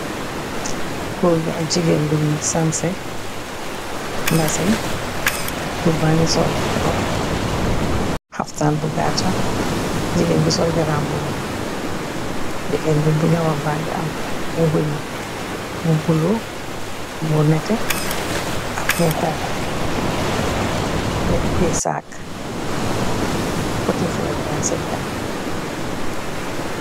Gorre bii ak gigain bii njungy sanseh mbazin, gorre bangy sol frok khaftan bu gahtah, gigain bii sol grandmbubu, gigain bi bu njawam bangy am weungh bu blue, bu nehteh ak bu honhu, mungy tiyeh sac, poti fleur yang sen ganaw.